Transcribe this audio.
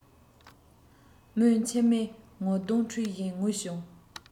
མོས མཆིལ མས ངོ གདོང འཁྲུད བཞིན ངུས བྱུང